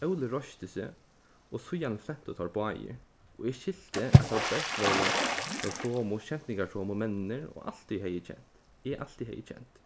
óli reisti seg og síðani flentu teir báðir og eg skilti at teir bert vóru teir somu skemtingarsomu menninir og altíð hevði kent eg altíð hevði kent